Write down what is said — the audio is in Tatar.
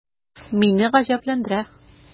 Мине гаҗәпләндерә: